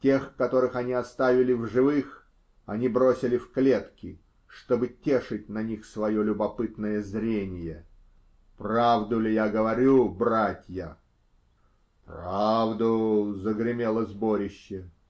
Тех, которых они оставили в живых, они бросили в клетки, чтобы тешить на них свое любопытное зрение. Правду ли я говорю, братья? -- Правду! -- загремело сборище.